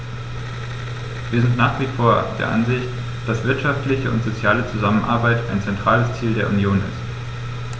Wir sind nach wie vor der Ansicht, dass der wirtschaftliche und soziale Zusammenhalt ein zentrales Ziel der Union ist.